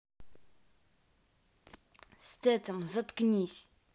стетем заткнись